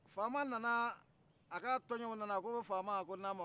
faama nana a ka tɔnjɔnw nana ko faama a ko naamu